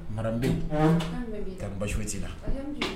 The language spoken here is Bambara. Mara bɛ ka basti la